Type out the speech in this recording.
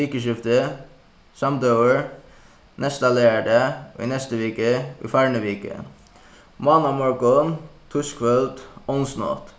vikuskifti samdøgur næsta leygardag í næstu viku í farnu viku mánamorgun týskvøld ónsnátt